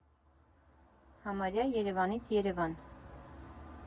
Համարյա Երևանից Երևան։